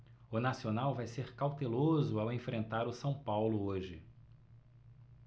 o nacional vai ser cauteloso ao enfrentar o são paulo hoje